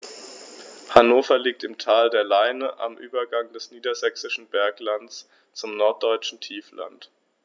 Hannover liegt im Tal der Leine am Übergang des Niedersächsischen Berglands zum Norddeutschen Tiefland.